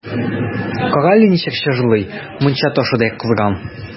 Кара әле, ничек чыжлый, мунча ташыдай кызган!